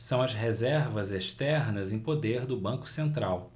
são as reservas externas em poder do banco central